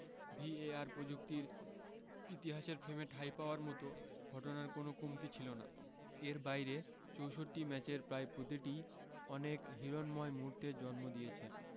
VAR প্রযুক্তি ইতিহাসের ফ্রেমে ঠাঁই পাওয়ার মতো ঘটনার কোনো কমতি ছিল না এর বাইরে ৬৪ ম্যাচের প্রায় প্রতিটিই অনেক হিরণ্ময় মুহূর্তের জন্ম দিয়েছে